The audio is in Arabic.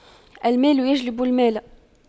المال يجلب المال